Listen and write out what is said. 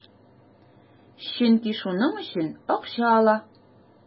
Чөнки шуның өчен акча ала.